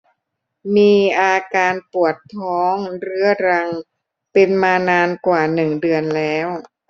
มีอาการปวดท้องเรื้อรังเป็นมานานกว่าหนึ่งเดือนแล้ว